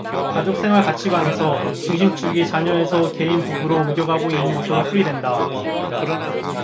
가족생활 가치관에서 중심축이 자녀에서 개인 부부로 옮겨가고 있는 것으로 풀이된다